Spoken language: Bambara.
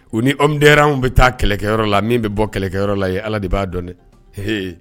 U nidw bɛ taa kɛlɛkɛyɔrɔ la min bɛ bɔ kɛlɛkɛyɔrɔ la ye ala de b'a dɔn dɛ h